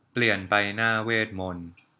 เปลี่ยนไปหน้าเวทมนตร์